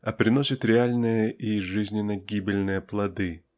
а приносит реальные и жизненно-гибельные плоды.